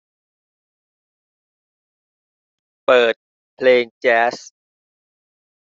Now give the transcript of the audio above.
เปิดเพลงแจ๊ส